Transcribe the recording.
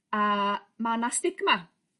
A ma' 'na stigma.